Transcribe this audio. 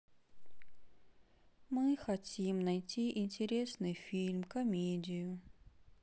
мы хотим найти интересный фильм комедию